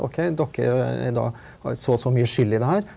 ok dere da har så så mye skyld i det her.